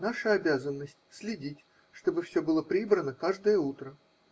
Наша обязанность следить, чтобы все было прибрано каждое утро.